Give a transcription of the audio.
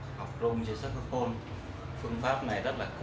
học rung trên kèn saxophone phương pháp này rất cổ điển